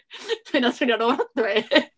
Ma' hynna'n swnio'n ofnadwy!